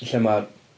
Lle ma'r...